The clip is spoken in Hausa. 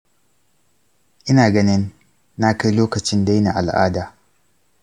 ina ganin na kai lokacin daina al’ada.